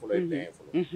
unhun unhun